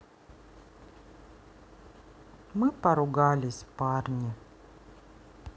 мы поругались парни